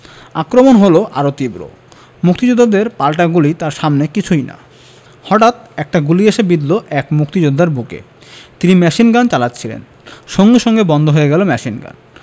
আক্রমণ হলো আরও তীব্র মুক্তিযোদ্ধাদের পাল্টা গুলি তার সামনে কিছুই না হতাৎ একটা গুলি এসে বিঁধল এক মুক্তিযোদ্ধার বুকে তিনি মেশিনগান চালাচ্ছিলেন সঙ্গে সঙ্গে বন্ধ হয়ে গেল মেশিনগান